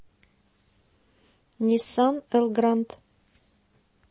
ниссан элгранд